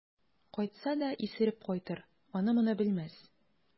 Кайтса да исереп кайтыр, аны-моны белмәс.